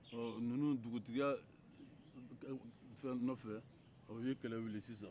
bɔn ninnu dugutigiya fɛn nɔfɛ o ye kɛlɛ wuli sisan